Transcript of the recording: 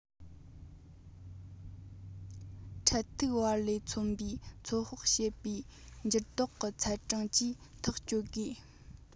འཕྲེད ཐིག བར ལས མཚོན པའི ཚོད དཔག བྱས པའི འགྱུར ལྡོག གི ཚད གྲངས ཀྱིས ཐག གཅོད དགོས